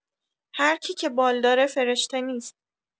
هرکی که بالداره فرشته نیست!